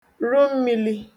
ru mmīlī